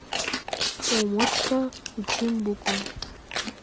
умочка учим буквы